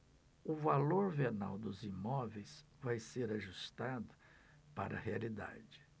o valor venal dos imóveis vai ser ajustado para a realidade